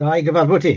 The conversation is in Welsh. Da i gyfarfod ti.